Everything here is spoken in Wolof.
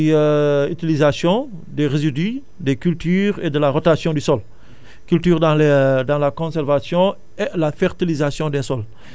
muy utilisation des residus des cultures et de la rotation du sol culture dans les dans la conservation et la fertilisation des sols